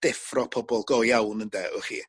deffro pobol go iawn ynde wch chi.